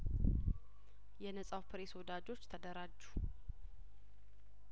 የነጻው ፕሬስ ወዳጆች ተደራጁ